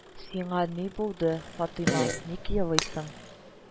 – сиңа ни булды, фатыйма, ник елыйсың